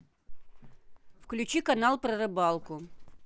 включи канал про рыбалку